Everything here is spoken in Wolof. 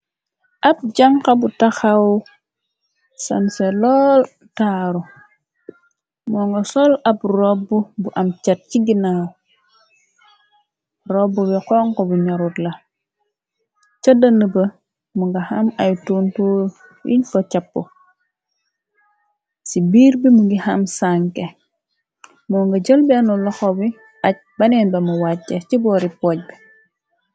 Ab jànxa bu taxaw sanse lol taaru. Moonga sol ab robb bu am jat ci ginaaw. Robb bi xonxu bi ñorut la, cëddanëba mun ngi am ay tuntu yiñ fa chappu. Ci biir bi mun ngi xam sanke, moo nga jël beenu loxo bi aj, benen bamu wàcce ci boori poj bi.